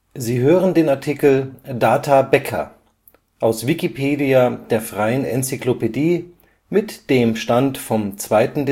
Sie hören den Artikel Data Becker, aus Wikipedia, der freien Enzyklopädie. Mit dem Stand vom Der